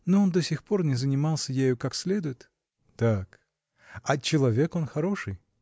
но он до сих пор не занимался ею как следует. -- Так. А человек он хороший?